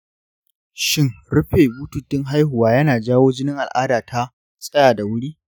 shin rufe bututun haihuwa yana jawo jinin al'ada ta tsaya da wuri?